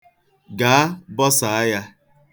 Gaa, bọsaa ya.